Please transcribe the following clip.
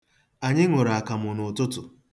Anyị ṅụrụ akamụ n'ụtụtụ.